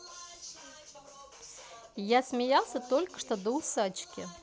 я смеялся только что до усачки